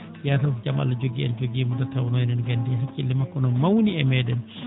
ya taw ko jam Allah jogi en jogimo nde tawnoo enen ngandi inde makko no mawni e meeɗen